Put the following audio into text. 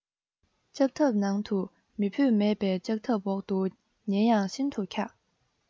ལྕགས ཐབ ནང དུ མེ བུད མེད པས ལྕགས ཐབ འོག ཏུ ཉལ ཡང ཤིན ཏུ འཁྱགས